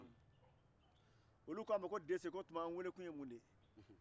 olu ko a m a ko an weelekun ye mun ye dese